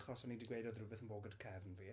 Achos o'n i 'di gweud oedd rhywbeth yn bod gyda cefn fi.